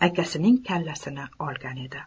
akasining kallasini olgan edi